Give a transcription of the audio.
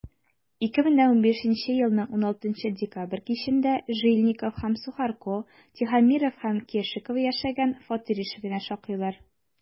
2015 елның 16 декабрь кичендә жильников һәм сухарко тихомиров һәм кешикова яшәгән фатир ишегенә шакыйлар.